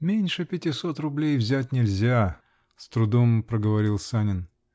меньше пятисот рублей взять нельзя, -- с трудом проговорил Санин.